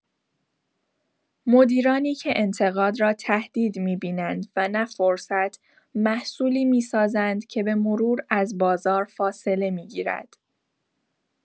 مدیرانی که انتقاد را تهدید می‌بینند و نه فرصت، محصولی می‌سازند که به‌مرور از بازار فاصله می‌گیرد.